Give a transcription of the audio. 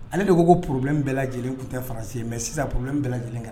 Ale de ko ko problème bɛɛ lajɛlen tun tɛ France ye mais sisan problème bɛɛ lajɛlen kɛra